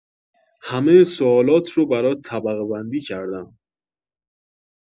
همه سوالات رو برات طبقه‌بندی کردم